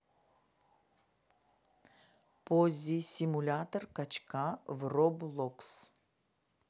поззи симулятор качка в роблокс